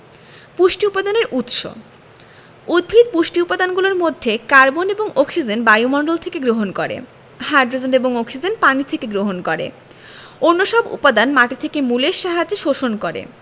পুষ্টি উপাদানের উৎস উদ্ভিদ পুষ্টি উপাদানগুলোর মধ্যে কার্বন এবং অক্সিজেন বায়ুমণ্ডল থেকে গ্রহণ করে হাই্ড্রোজেন এবং অক্সিজেন পানি থেকে গ্রহণ করে অন্যসব উপাদান মাটি থেকে মূলের সাহায্যে শোষণ করে